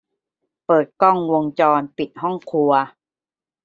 เปิดกล้องวงจรปิดห้องครัว